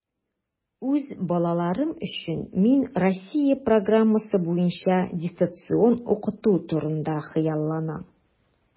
Үз балаларым өчен мин Россия программасы буенча дистанцион укыту турында хыялланам.